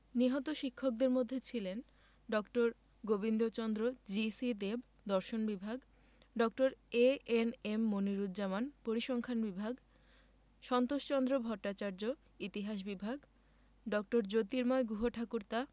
নিহত শিক্ষকদের মধ্যে ছিলেন ড. গোবিন্দচন্দ্র জি.সি দেব দর্শন বিভাগ ড. এ.এন.এম মনিরুজ্জামান পরিসংখান বিভাগ সন্তোষচন্দ্র ভট্টাচার্য ইতিহাস বিভাগ ড. জ্যোতির্ময় গুহঠাকুরতা